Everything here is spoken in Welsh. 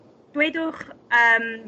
dweudwch yym